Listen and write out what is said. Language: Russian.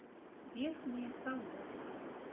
верхняя салмовка